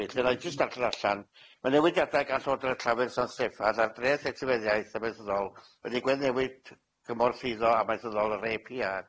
Felly 'na i jyst darllen o allan. Ma' newidiadau gan Llywodraeth Llafur San Steffan ar dreth etifeddiaeth amaethyddol wedi gweddnewid cymorth eiddo amaethyddol yr Ay Pee Are